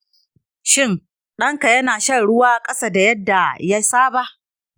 shin ɗanka yana shan ruwa ƙasa da yadda ya saba?